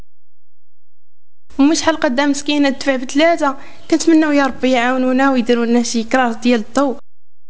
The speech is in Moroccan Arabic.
مش قد مسكينه تعبت ليزر عيون ويدرون نفسي كردي